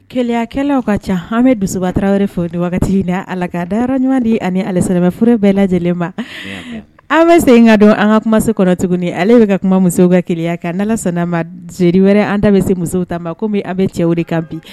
Gɛlɛyakɛlaw ka ca hamɛ dusu saba taraweleraw fɔ wagati na ala ka dara ɲɔgɔn di ani alesaforo bɛɛ lajɛlen ma an bɛ se ka don an ka kuma se kɔnɔ tuguni ale bɛ ka kuma musow ka gɛlɛya kan alasa' ma z wɛrɛ an da bɛ se musow ta ma kɔmi an bɛ cɛ o de kan bi